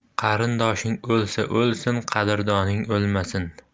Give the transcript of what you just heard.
qarindoshing o'lsa o'lsin qadrdoning o'lmasin